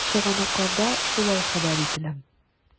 Чыганакларда шулай хәбәр ителә.